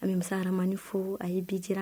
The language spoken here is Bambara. A bɛ masasaramani fo a ye bijira